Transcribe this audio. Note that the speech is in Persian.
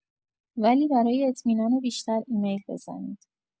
ولی برای اطمینان بیشتر ایمیل بزنید.